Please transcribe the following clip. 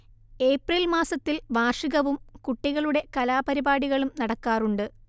April മാസത്തിൽ വാർഷികവും കുട്ടികളുടെ കലാപരിപാടികളും നടക്കാറുണ്ട്